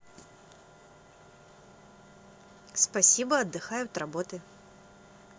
спасибо отдыхаю от работы